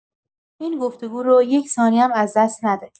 این گفتگو رو یک ثانیه هم از دست ندید.